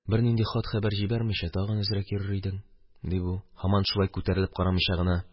– бернинди хат-хәбәр җибәрмичә, тагын әзрәк йөрер идең, – ди бу, һаман шулай күтәрелеп карамыйча гына.